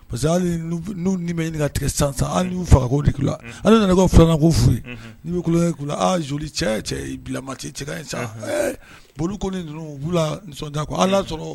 Parce que hali nu b ni u ni bɛ ɲini ka tigɛ sisan sisan hali ni y'u fagako de k'u la unhun hali n'i nana ko ka 2 nan ko f'u ye unhun ni bɛ kulɔnŋɛ k'u la aa jolie cɛɛ cɛ i bilama cɛ i cɛkanɲi saa unhun ee bon olu koni ninnu o b'u laa nisɔndiya quoi hali naasɔrɔɔ